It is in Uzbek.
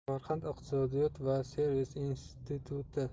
samarqand iqtisodiyot va servis instituti